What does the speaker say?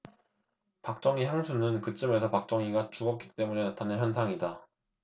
박정희 향수는 그쯤에서 박정희가 죽었기 때문에 나타난 현상이다